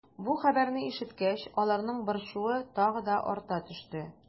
Бу хәбәрне ишеткәч, аларның борчуы тагы да арта төште.